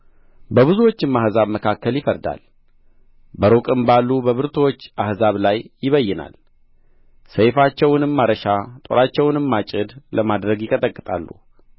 በብዙዎችም አሕዛብ መካከል ይፈርዳል በሩቅም ባሉ በብርቱዎች አሕዛብ ላይ ይበይናል ሰይፋቸውንም ማረሻ ጦራቸውንም ማጭድ ለማድረግ ይቀጠቅጣሉ